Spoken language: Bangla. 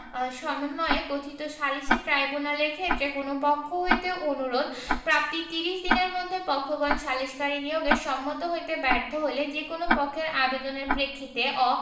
সমন্বয়ে গঠিত সালিসী ট্রাইব্যুনালের ক্ষেত্রে কোন পক্ষ হইতে অনুরোধ প্রাপ্তির ত্রিশ দিনের মধ্যে পক্ষগণ সালিসকারী নিয়োগে সম্মত হইতে ব্যর্থ হইলে যে কোন পক্ষের আবেদনের প্রেক্ষিতে অ